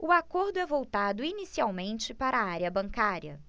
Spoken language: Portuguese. o acordo é voltado inicialmente para a área bancária